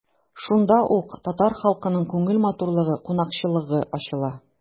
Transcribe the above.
Шунда ук татар халкының күңел матурлыгы, кунакчыллыгы ачыла.